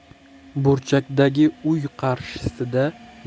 burchakdagi uy qarshisida